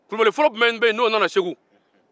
kulubali fɔlɔ jumɛn nana segu